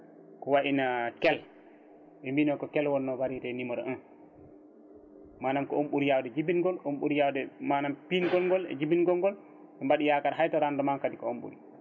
ko wayno keel ɓe mbino ko keel wonno variété numéro 1 manam ko ɓuuri yawde jibingol ko on ɓuuri yawde manam pingol ngol e jibingol ngol mbaɗi yakar hay to rendement kadi ko on ɓuuri